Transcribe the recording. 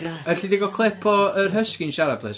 Elli di gael clip o'r husky yn siarad plis.